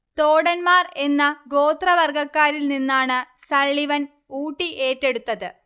തോടൻമാർ എന്ന ഗോത്രവർഗക്കാരിൽ നിന്നാണ് സള്ളിവൻ ഊട്ടി ഏറ്റെടുത്തത്